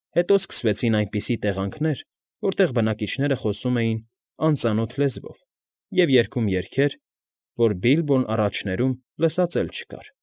Հետո սկսվեցին այնպիսի տեղանքներ, որտեղ բնակիչները խոսում էին անծանոթ լեզվով և երգում երգեր, որ Բիլբոն առաջներում լսած էլ չկար։